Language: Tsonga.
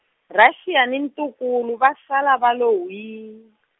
Russia ni ntukulu va sala va lo whii .